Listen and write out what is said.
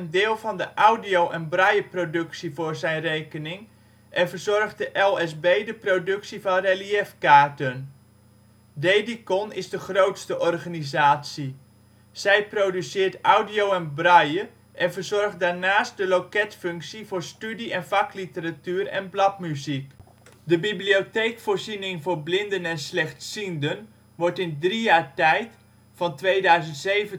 deel van de audio - en brailleproductie voor zijn rekening en verzorgt de LSB de productie van reliëfkaarten. Dedicon is de grootste organisatie. Zij produceert audio en braille en verzorgt daarnaast de loketfunctie voor studie en vakliteratuur en bladmuziek. De bibliotheekvoorziening voor blinden en slechtzienden wordt in drie jaar tijd (2007-2009